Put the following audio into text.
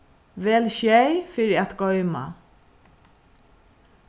vel sjey fyri at goyma